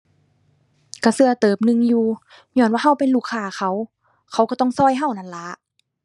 ก็ก็เติบหนึ่งอยู่ ญ้อนว่าก็เป็นลูกค้าเขา เขาก็ต้องก็ก็นั่นล่ะ